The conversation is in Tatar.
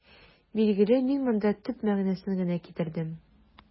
Билгеле, мин монда төп мәгънәсен генә китердем.